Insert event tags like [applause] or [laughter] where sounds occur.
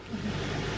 [hesitation] [hesitation] [noise]